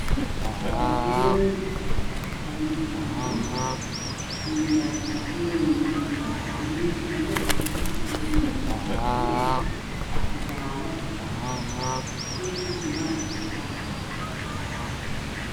Oo ka kooban toban biyano midafkiisa uu yahay jaallo dhaladiisa tahay buluug